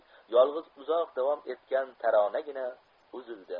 yolg'iz uzoq davom etgan taronagina uzildi